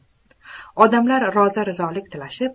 odamlar rozi rizolik tilashib